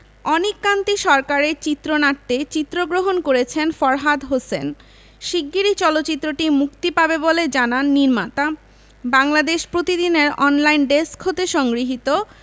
অনিক কান্তি সরকারের চিত্রনাট্যে চিত্রগ্রহণ করেছেন ফরহাদ হোসেন শিগগিরই চলচ্চিত্রটি মুক্তি পাবে বলে জানান নির্মাতা বাংলাদেশ প্রতিদিন এর অনলাইন ডেস্ক হতে সংগৃহীত